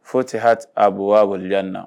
Foyi tɛ ha a bɔ wa wale na